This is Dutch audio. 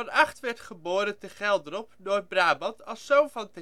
Agt werd geboren te Geldrop (Noord-Brabant) als zoon van